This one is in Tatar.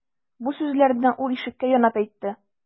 Бу сүзләрне ул ишеккә янап әйтте.